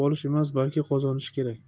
olish emas balki qozonish kerak